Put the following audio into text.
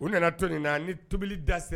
U nana to nin na a ni tobili da sera